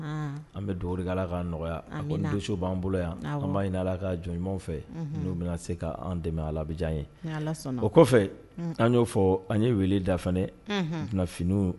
An bɛ nɔgɔya b'an bolo yan an b' ala ka jɔn ɲumanw fɛ n' se k'an dɛmɛ alabijan ye o kɔfɛ an y'o fɔ an ye weele dafa finiw